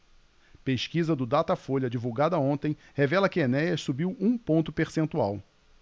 pesquisa do datafolha divulgada ontem revela que enéas subiu um ponto percentual